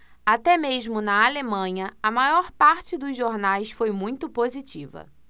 até mesmo na alemanha a maior parte dos jornais foi muito positiva